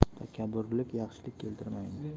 takabburlik yaxshilik keltirmaydi